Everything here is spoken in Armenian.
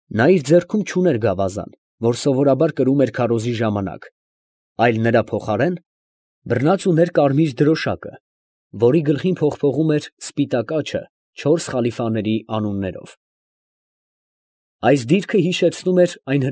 Նա իր ձեռքում չուներ գավազան, որ սովորաբար կրում էր քարոզի ժամանակ, այլ նրա փոխարեն բռնած ուներ կարմիր դրոշակը, որի գլխին փողփողում էր սպիտակ աջը չորս խալիֆաների անուններով։ ֊ Այս դիրքը հիշեցնում էր այն։